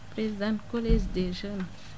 présidente colège des jeunes